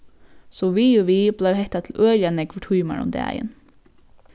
so við og við bleiv hetta til øgiliga nógvar tímar um dagin